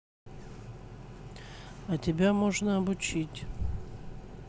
а тебя можно обучить